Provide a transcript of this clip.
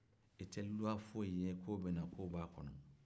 e tɛ loi foyi ye k'o bɛ na k'o b'a kɔnɔ